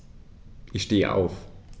Ich stehe auf.